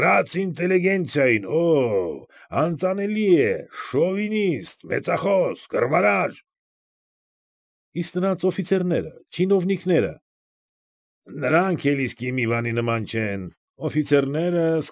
Վրաց ինտելիգենցիային, օօ՜, անտանելի է, շովինիստ, մեծախոս, կռվարար։ ֊ Իսկ նրանց օֆիցերնե՞րը, չինովնիկնե՞րը։ ֊ Նրանք էլ իսկի մի բանի նման չեն, օֆիցերները՝